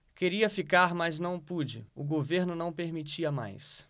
queria ficar mas não pude o governo não permitia mais